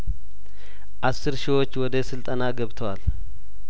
አስር ሺዎች ወደ ስልጠና ገብተዋል